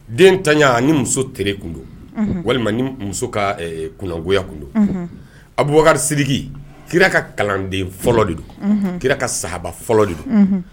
Den taɲa ni muso teri tun don walima ni muso ka kungoya tun don abu seliki kira ka kalanden fɔlɔ de don kira ka saba fɔlɔ de don